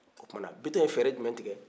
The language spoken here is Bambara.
o tuma na bitɔn ye fɛrɛ jumɛn tigɛ